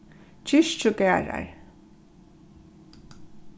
kirkjugarðar